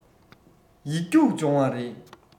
ཡིག རྒྱུགས སྦྱོང བ རེད